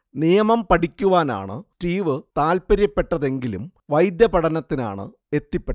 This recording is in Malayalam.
നിയമം പഠിക്കുവാനാണ് സ്റ്റീവ് താൽപര്യപ്പെട്ടതെങ്കിലും വൈദ്യപഠനത്തിനാണ് എത്തിപ്പെട്ടത്